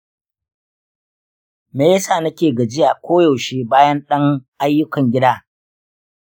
me ya sa nake gajiya koyaushe bayan ɗan ayyukan gida?